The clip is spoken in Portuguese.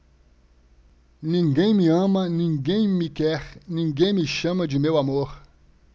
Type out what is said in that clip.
ninguém me ama ninguém me quer ninguém me chama de meu amor